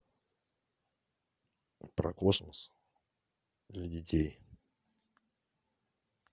про космос для детей